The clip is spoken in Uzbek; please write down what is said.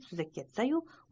suza ketsa yu